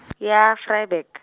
ya Vryburg.